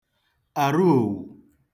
àrụòwù